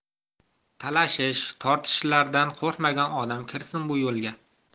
talashish tortishishlardan qo'rqmagan odam kirsin bu yo'lga